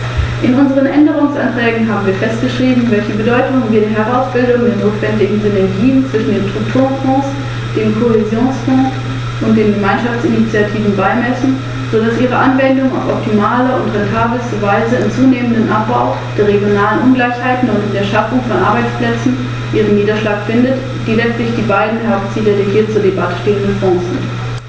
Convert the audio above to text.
Ich danke Frau Schroedter für den fundierten Bericht.